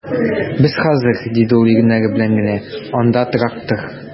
Без хәзер, - диде ул иреннәре белән генә, - анда трактор...